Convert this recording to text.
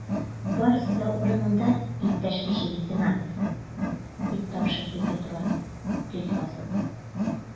Барысы да урынында, иптәш кече лейтенант, - дип тапшырды Петро, төз басып.